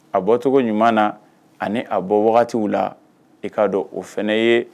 A bɔtogo ɲuman na ani a bɔwagatiw la i k'a dɔ o fɛnɛ ye